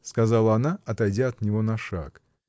— сказала она, отойдя от него на шаг.